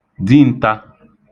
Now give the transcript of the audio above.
din̄tā